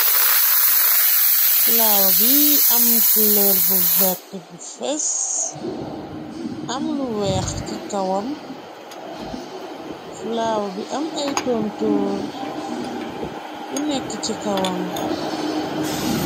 Fulaawa bi am kulër bu vert bu fés am lu weex ci kawam fulaawa bi am ay tontoor yu nekk ci kawam.